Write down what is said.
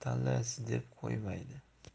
tanlaysiz deb qo'ymadi